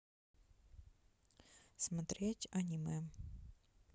смотреть аниме